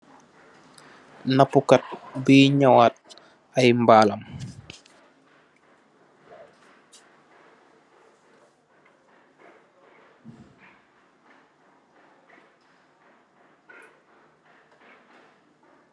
Napou kat boye nyawat aye balam.